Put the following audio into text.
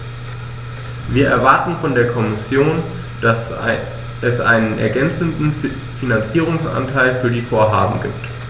Wir erwarten von der Kommission, dass es einen ergänzenden Finanzierungsanteil für die Vorhaben gibt.